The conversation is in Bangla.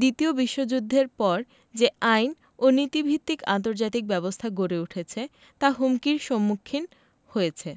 দ্বিতীয় বিশ্বযুদ্ধের পর যে আইন ও নীতিভিত্তিক আন্তর্জাতিক ব্যবস্থা গড়ে উঠেছে তা হুমকির সম্মুখীন হয়েছে